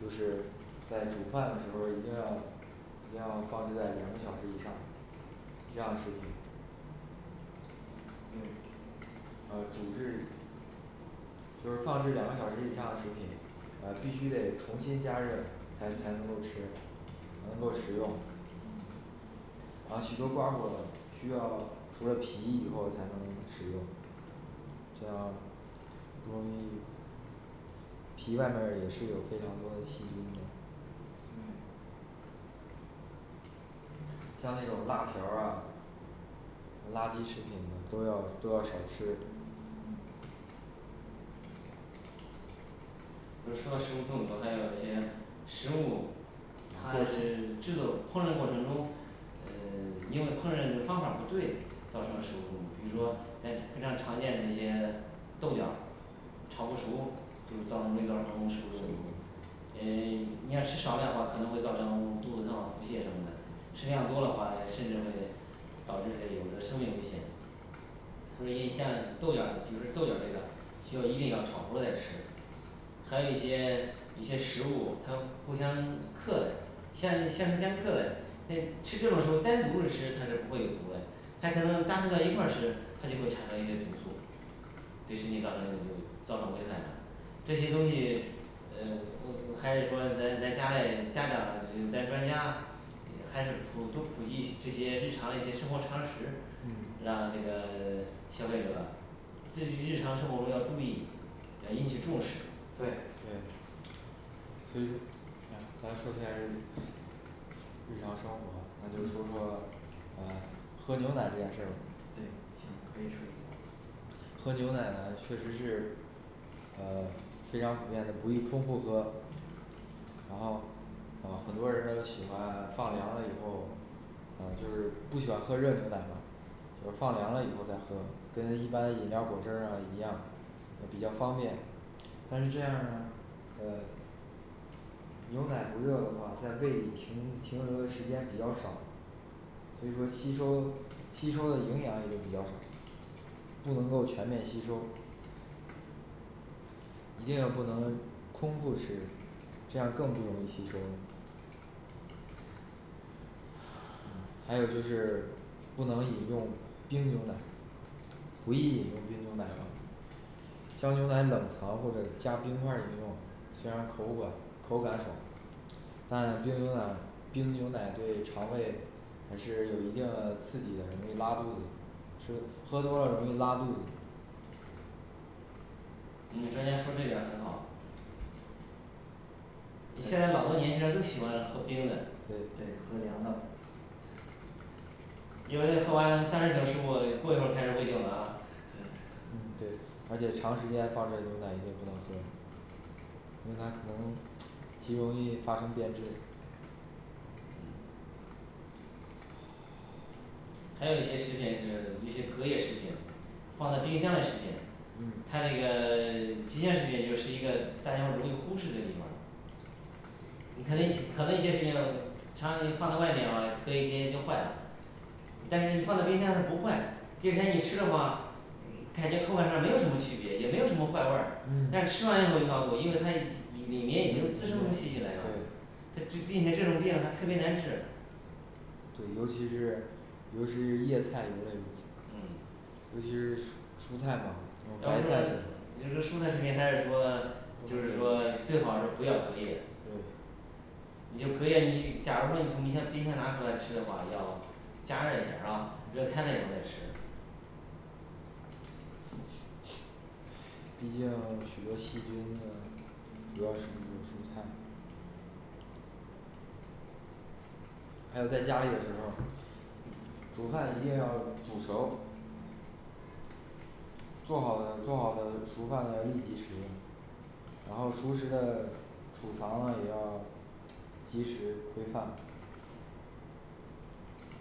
就是在煮饭的时候儿一定要一定要放置在两个小时以上。这样食品对，呃煮至就是放置两个小时以上的食品，呃必须得重新加热才才能够吃能够食用嗯还有许多瓜果需要除了皮以后才能食用这样不容易皮外边儿也是有非常多的细菌的。对像那种辣条儿啊垃圾食品都要都要少吃。嗯比如说食物中毒，还有一些食物，他是制作烹饪过程中，呃因为烹饪方法不对造成了食物中毒比如说咱非常常见的一些豆角儿炒不熟，就造成这段食物中毒，呃你要吃少量的话，可能会造成肚子痛腹泻什么的，吃量多的话，甚至会导致嘞有生命危险。所以也像豆角就是豆角这个需要一定要炒熟了才吃还有一些有些食物它互相克相相相克嘞，嗯吃这种食物单独嘞吃它是不会有毒嘞，它可能搭配到一块儿吃，它就会产生一些毒素，对身体造成造成危害了。这些东西呃我我还是说咱咱家嘞家长，呃咱专家还是普多普及这些日常嘞一些生活常识，让这个 消费者自己日常生活中要注意，要引起重视，对。对所以咱咱说现在是日常生活那就说说嗯喝牛奶这件事儿对行可以说一说。喝牛奶呢确实是呃非常普遍的不宜空腹喝，然后啊很多人都喜欢放凉了以后，呃就是不喜欢喝热牛奶嘛，就放凉了以后再喝，跟一般的饮料儿果汁儿呢一样，比较方便。但是这样呢呃牛奶不热的话，在胃里停停留的时间比较少，所以说吸收吸收的营养也比较少，不能够全面吸收一定要不能空腹吃，这样更不容易吸收。还有就是不能饮用冰牛奶，不宜饮用冰牛奶AV 当牛奶冷藏或者加冰块儿饮用，虽然口感口感好但冰牛奶冰牛奶对肠胃还是有一定的刺激的，容易拉肚子，吃喝多了容易拉肚子。你们专家说这点儿很好现在老多年轻人都喜欢喝冰的，对对喝凉的有嘞喝完，当时挺舒服了，过一会开始胃就完了。对嗯对，而且长时间放置牛奶也就不能喝因为它可能极容易发生变质还有一些食品是一些隔夜食品，放在冰箱嘞食品，它这个 冰箱食品也是一个大家容易忽视的地方儿你可能可能一些事情常放在外面的话，隔一天就坏了但是你放到冰箱它不坏，第二天你吃的话嗯感觉口感上没有什么区别，也没有什么坏味儿嗯，但是吃完以后就告诉我，因为它里面已经滋生出细菌来了对，它并且这种病还特别难治。对，尤其是尤其是叶菜有嘞嗯有，尤其是蔬蔬菜吧，对要是说就是说蔬菜食品还是说就是说最好是不要隔夜也就隔夜你假如说你从冰箱冰箱拿出来吃的话，要加热一下是吧？热开了以后再吃 毕竟许多细菌污染主要是因为蔬菜还有在家里的时候儿，煮饭一定要煮熟做好的做好的熟饭要立即食用，然后熟食的储藏也要及时规范，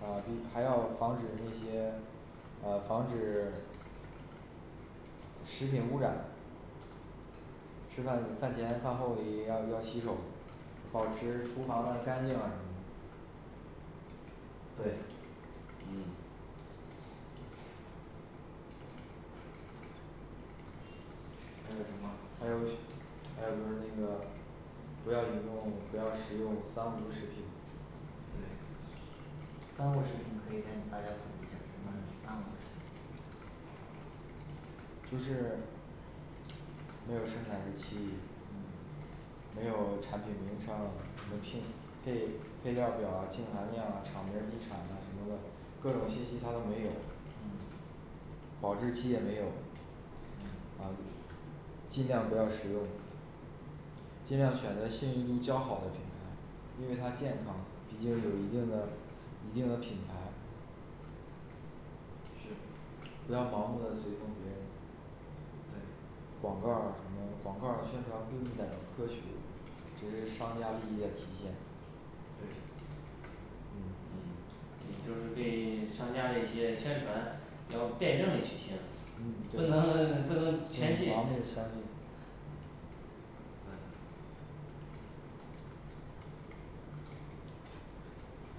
呃还要防止一些呃防止食品污染吃饭饭前饭后也要要洗手，保持厨房的干净啊什么。对嗯还有什么？还有许对。 还有就是那个不要饮用，不要食用三无食品。。三无食品可以跟大家普及一下，什么是三无食品？就是 没有生产日期嗯没有产品名称，和匹配配料表啊、净含量啊，厂名地产啊什么的，各种信息它都没有嗯保质期也没有嗯。呃尽量不要使用，尽量选择信誉度较好的品牌。因为它健康毕竟有一定的一定的品牌，是是不要盲目的随从别人对，广告儿什么广告儿宣传规律在于科学，只是商家利益的体现。对。嗯就是为商家嘞一些宣传要辩证嘞去听，不能不能不能全信盲目的相信对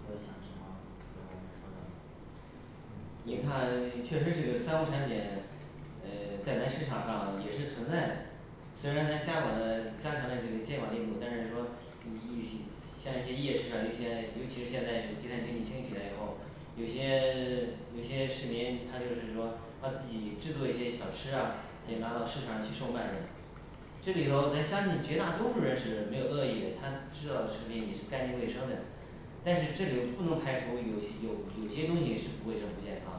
还有想什么跟我们说的吗你看嗯确实这个三无产品呃在咱市场上也是存在的虽然咱加管了加强了这个监管力度，但是说你 像一些夜市上有一些，尤其是现在地摊经济兴起了以后，有些 有些市民他就是说他自己制作一些小吃啊，他就拿到市场去售卖的，这里头咱相信绝大多数人是没有恶意的，他知道食品也是干净卫生的，但是这里不能排除有些 有有些东西是不卫生不健康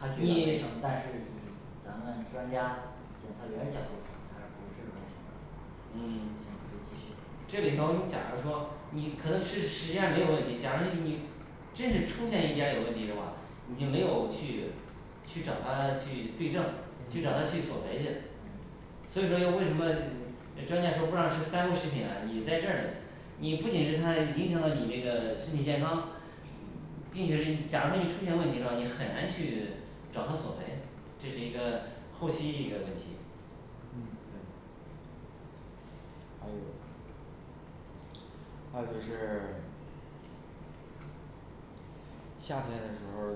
他觉因得卫为生但是以咱们专家检测员儿角度上他是不是卫生的？嗯行可以继续这里头你设如说你可能吃十家没有问题，假如你你真是出现一家有问题的话，你就没有去去找他去对证去找他去索赔去。嗯所以说要为什么专家说不让吃三无食品呢，你在这儿你不仅是它影响到你那个身体健康，并且是假如说你出现问题的话，你很难去找他索赔，这是一个后期一个问题。嗯对还有还有就是 夏天的时候儿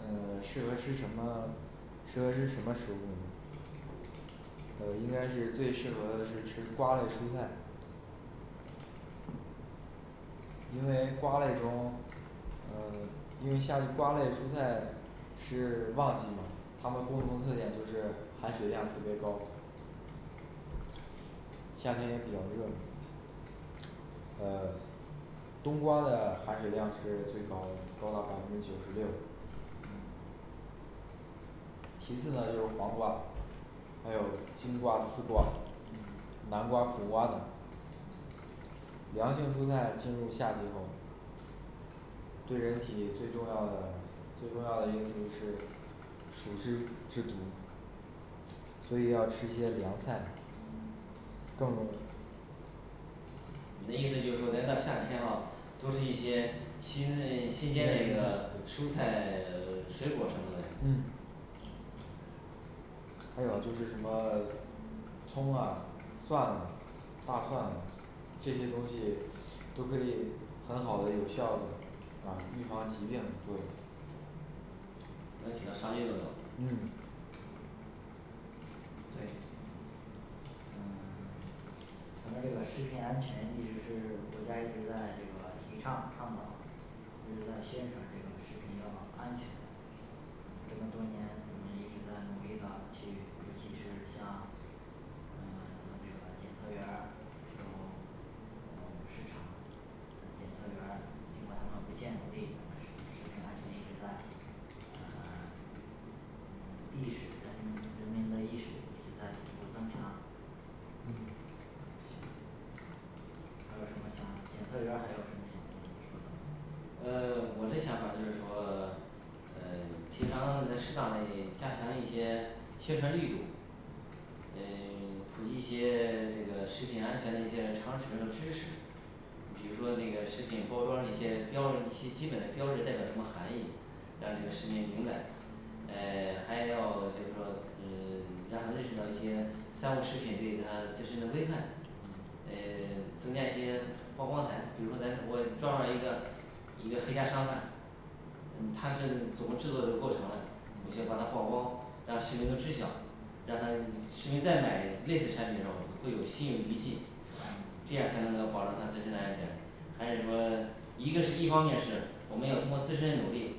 呃适合吃什么？适合吃什么食物，呃应该是最适合的是吃瓜类蔬菜因为瓜类中呃因为像瓜类蔬菜是旺季嘛，他们共同特点就是含水量特别高，夏天也比较热嘛，呃冬瓜的含水量是最高高到百分之九十六嗯其次呢就是黄瓜，还有青瓜、丝瓜嗯、南瓜、苦瓜等良性蔬菜进入夏季后，对人体最重要的最重要的因素就是暑湿之毒，所以要吃些凉菜嗯，更。 你的意思就是说咱到夏天了多吃一些新嘞新鲜那个蔬菜 水果儿什么嘞，嗯还有就是什么 葱啦。蒜啦，大蒜这些东西都可以很好的有效的啊预防疾病对能起到杀菌作用嗯对嗯 咱们这个食品安全一直是 国家一直在这个提倡倡导，这是在宣传这个食品要安全嗯这么多年咱们一直在努力的去，尤其是像嗯咱们检测员儿这种 呃市场的检测员儿经过他们不懈努力，咱们食食品安全一直在呃 意识，咱们人们人民的意识一直在逐步增强。嗯行还有什么想检测员还有什么想跟我们说的吗？呃我的想法就是说呃平常咱适当嘞加强一些宣传力度，呃普及一些 这个食品安全嘞一些常识和知识。比如说这个食品包装嘞一些标准，一些基本嘞标志代表什么含义，让这个市民明白呃 还要就是说呃 让他认识到一些三无食品对他自身的危害嗯，呃 增加一些曝光台，比如说咱主播抓到一个一个黑家商贩，嗯它是怎么制作这过程嘞，我需要把它曝光，让市民都知晓，让他市民再买类似产品时候会有心有余悸，这样才能够保证他自身的安全，还是说一个是一方面是我们要通过自身的努力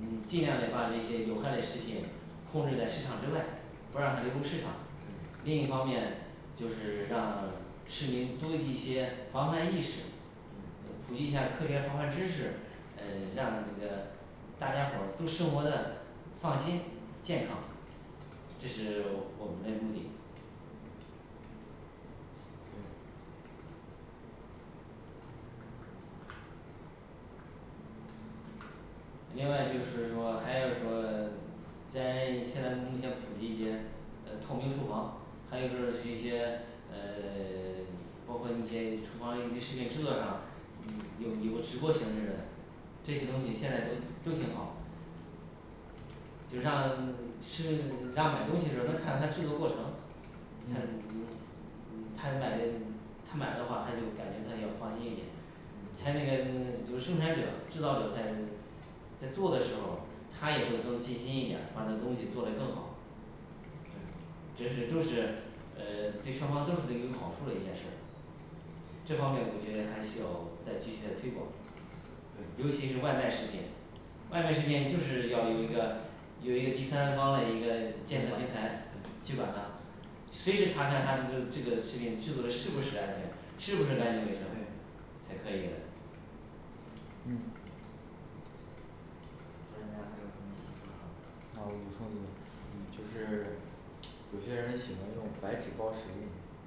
嗯尽量的把这些有害的食品控制在市场之外，不让它流入市场对。另一方面就是让市民多具一些防范意识，普及一下科学防范知识，呃让这个大家伙儿都生活的放心健康，这是我们的目的。对另外就是说还要说在现在目前普及一些透明厨房，还有就是一些呃 包括一些厨房一些食品制作上，有有个直播形式嘞，这些东西现在都都挺好，就让吃让买东西时候儿咱看他制作过程，他 他买 他买的话，他就感觉他要放心一点，他那个就生产者制造者在在做的时候，他也会更尽心一点儿，把这东西做的更好对这是都是呃对双方都是有好处嘞一件事儿。这方面我们觉得还需要再继续的推广，对尤其是外卖食品，外卖食品就是要有一个有一个第三方嘞一个监检测管平它台去管它，随时查看他这个这个食品制做的是不是安全是不是干净卫生对才可以嘞。嗯专家还有什么想说的吗啊我？嗯嗯补充一个，就是有些人喜欢用白纸包食物嘛，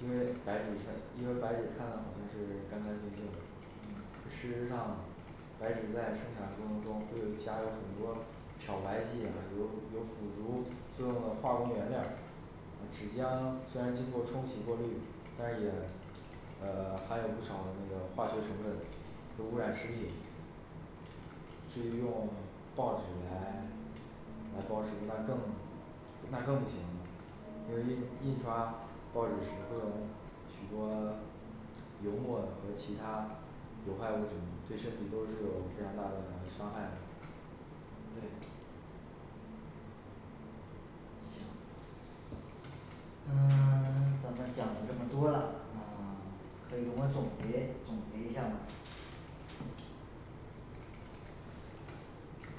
因为白纸上因为白纸看到好像是干干净净的嗯，事实上白纸在生产过程中会有加有很多漂白剂，有有辅助作用的化工原料儿纸浆虽然经过冲洗过滤，但是也呃含有不少那个化学成分和污染食品，是用报纸来来包食品，那更那更不行了，因为印刷报纸时会有许多油墨和其它有害物质对身体都是有非常大的伤害。对。行。嗯 咱们讲了这么多了，啊 可以给我们总结总结一下吗？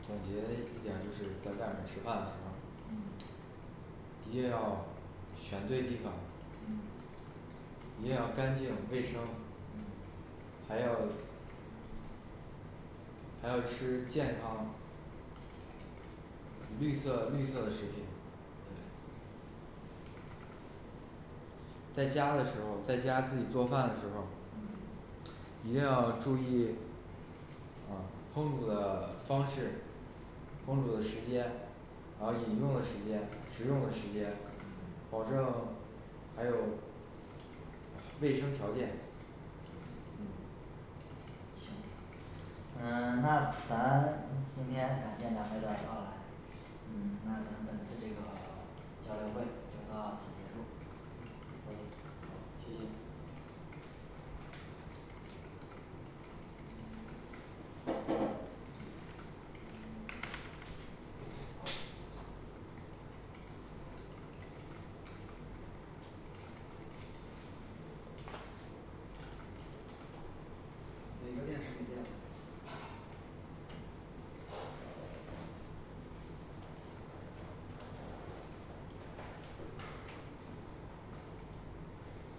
总结一点儿就是在外面儿吃饭的时候嗯，一定要选对地方嗯。一定要干净卫生嗯还要 还要吃健康绿色绿色的食品。对在家的时候在家自己做饭的时候儿嗯一定要注意啊烹煮的方式，烹煮的时间，还有饮用的时间、食用的时间，保证 还有卫生条件行。嗯那咱今天感谢两位的到来，嗯那咱们本次这个交流会就到此结束。好，谢谢每个店是不一样的。